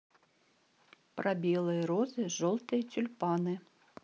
про белые розы желтые тюльпаны